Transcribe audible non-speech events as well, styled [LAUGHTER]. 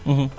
[HESITATION] [HESITATION]